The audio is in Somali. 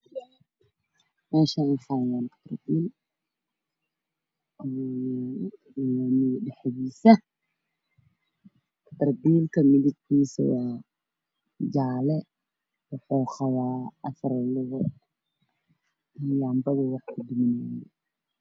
Meshan waxyalo katarbiil yaal lami dhedisa midabkis waa jale waxow leyahay afar lugood